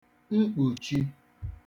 mkpuchi